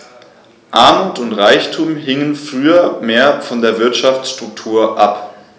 Armut und Reichtum hingen früher mehr von der Wirtschaftsstruktur ab.